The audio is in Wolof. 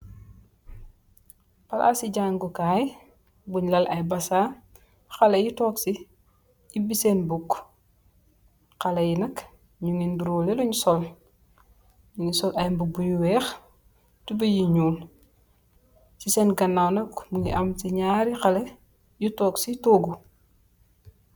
Plase jagu kaye bun lal aye basang haleh yee tonke se ebe sen book haleh ye nak nuge noruleh lun sol nu sol aye mubu yu weehe tobaye yu njol se sen ganaw nak muge amse nyari haleh yu tonke se toogu.